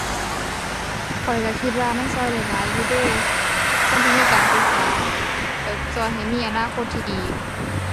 ข้อยก็คิดว่ามันก็ได้หลายอยู่เดะ คนที่มีการศึกษาแบบ ก็ให้มีอนาคตที่ดี